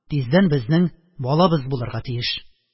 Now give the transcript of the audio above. Тиздән безнең балабыз булырга тиеш.